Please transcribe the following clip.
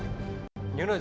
những nội